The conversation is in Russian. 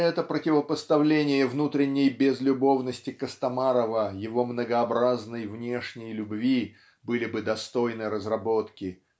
это противопоставление внутренней безлюбовности Костомарова его многообразной внешней любви были бы достойны разработки